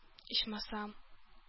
Ичмасам